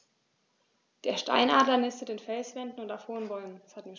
Der Steinadler nistet in Felswänden und auf hohen Bäumen.